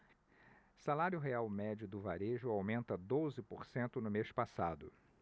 salário real médio do varejo aumenta doze por cento no mês passado